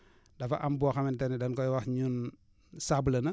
dafa am boo xamante ne dañ koy wax ñun sablé na